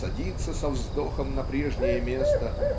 садится со вздохом на прежнее место